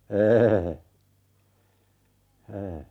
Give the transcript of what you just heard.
en en